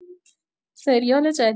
سریال جدید